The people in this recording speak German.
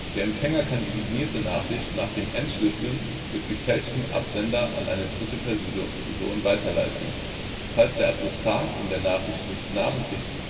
Empfänger kann die signierte Nachricht nach dem Entschlüsseln mit gefälschtem Absender an eine dritte Person weiterleiten. Falls der Adressat in der Nachricht nicht namentlich